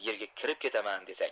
yerga kirib ketaman desang